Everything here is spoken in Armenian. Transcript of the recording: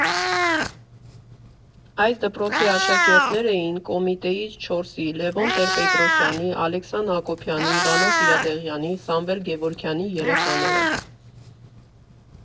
Այս դպրոցի աշակերտներ էին Կոմիտեից չորսի՝ Լևոն Տեր֊Պետրոսյանի, Ալեքսան Հակոբյանի, Վանո Սիրադեղյանի, Սամվել Գևորգյանի երեխաները։